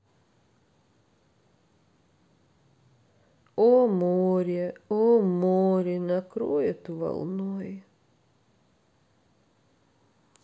о море о море накроет волной